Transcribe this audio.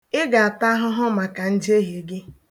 Ị ga-ata ahụhụ maka njehie gị